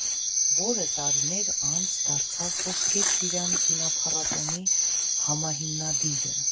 Որը տարիներ անց դարձավ Ոսկե ծիրան կինոփառատոնի համահիմնադիրը։